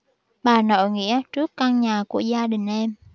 bà nội nghĩa trước căn nhà của gia đình em